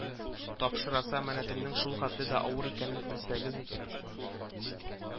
Тапшырасы әманәтемнең шулхәтле дә авыр икәнен белсәгез икән